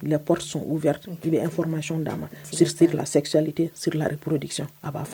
pɔ sɔn u vri i bɛ an fɔramasi d'a ma siri siri la selicli tɛ siri lari pur de b'a